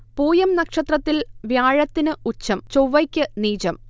പൂയം നക്ഷത്രത്തിൽ വ്യഴത്തിന് ഉച്ചം ചൊവ്വയ്ക്ക് നീചം